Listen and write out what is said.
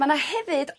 Ma' 'na hefyd